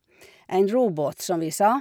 En robåt, som vi sa.